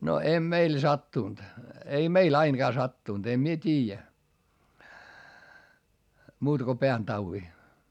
no ei meille sattunut ei meille ainakaan sattunut en minä tiedä muuta kuin pääntaudin